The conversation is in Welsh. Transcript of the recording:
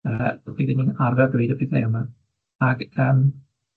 Yy wi ddim yn arfer dweud y pethau yma, ag yym